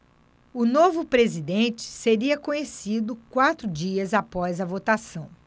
o novo presidente seria conhecido quatro dias após a votação